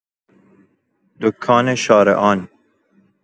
دکان شارعان